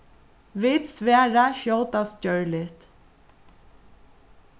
vit svara skjótast gjørligt